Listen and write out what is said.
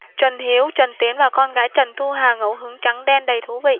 trần hiếu trần tiến và con gái trần thu hà ngẫu hứng trắng đen đầy thú vị